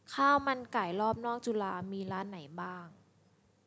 ข้าวมันไก่รอบนอกจุฬามีร้านไหนบ้าง